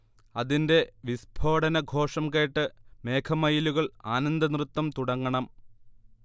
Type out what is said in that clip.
അതിന്റെ വിസ്ഫോടനഘോഷം കേട്ട് മേഘമയിലുകൾ ആനന്ദനൃത്തം തുടങ്ങണം